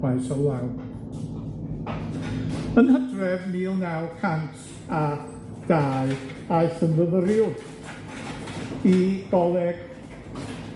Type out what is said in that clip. Maes o law. Yn Hydref mil naw cant a dau aeth yn fyfyriwr i goleg